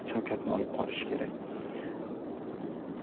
shavkatni olib qoilishi kerak